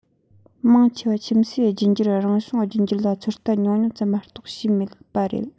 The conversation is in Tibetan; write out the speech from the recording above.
མང ཆེ བ ཁྱིམ གསོས རྒྱུད འགྱུར རང བྱུང རྒྱུད འགྱུར ལ ཚོད ལྟ ཉུང ཉུང ཙམ མ གཏོགས བྱས མེད རེད